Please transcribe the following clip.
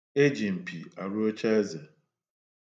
E ji mpi arụ ocheeze.